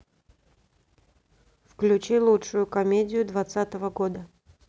включи лучшую комедию двадцатого года